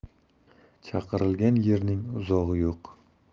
chaqirilgan yerning uzog'i yo'q